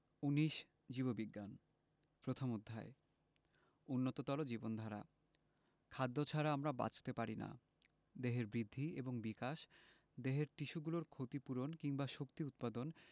১৯ জীববিজ্ঞান প্রথম অধ্যায় উন্নততর জীবনধারা খাদ্য ছাড়া আমরা বাঁচতে পারি না দেহের বৃদ্ধি এবং বিকাশ দেহের টিস্যুগুলোর ক্ষতি পূরণ কিংবা শক্তি উৎপাদন